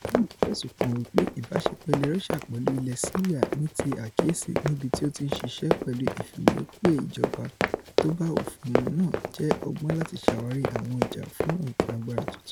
Zinke fẹ̀sùn kàn wí pé ìbáṣepọ̀ ilẹ̀ Rọ́síà pẹ̀lú ilẹ̀ Síríà - níti àkíyèsi, níbití ó ti ńṣiṣẹ́ pẹ̀lù ìfìwépe ìjọba tóbá òfin mu náà - jẹ́ ọgbọń láti ṣáwàrí àwọn ọjà fún nǹkan agbára tuntun.